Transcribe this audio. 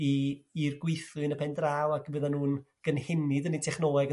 i i'r gweithlu yn y pen draw ac fyddan nhw'n gynhenydd yn 'u technoleg